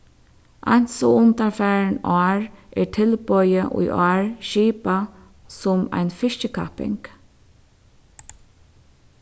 eins og undanfarin ár er tilboðið í ár skipað sum ein fiskikapping